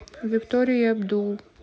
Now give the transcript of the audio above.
виктория и абдул